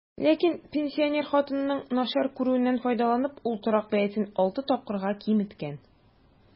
Ләкин, пенсинер хатынның начар күрүеннән файдаланып, ул торак бәясен алты тапкырга киметкән.